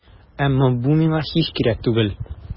Әмма бу миңа һич кирәк түгел.